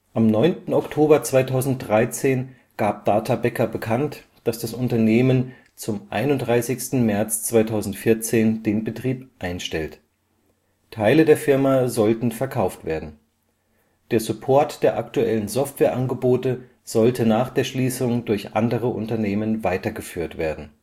Am 9. Oktober 2013 gab Data Becker bekannt, dass das Unternehmen zum 31. März 2014 den Betrieb einstellt. Teile der Firma sollen verkauft werden. Der Support der aktuellen Softwareangebote sollte nach der Schließung durch andere Unternehmen weitergeführt werden